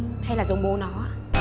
hay là giống bố nó ạ